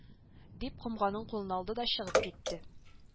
Дип комганын кулына алды да чыгып китте